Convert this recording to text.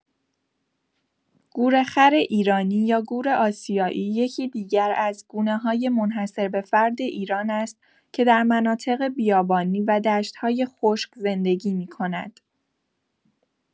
گورخر ایرانی یا گور آسیایی یکی دیگر از گونه‌های منحصربه‌فرد ایران است که در مناطق بیابانی و دشت‌های خشک زندگی می‌کند.